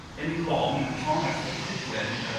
yn ei long, yn llong Arthur Prydwen. Ia.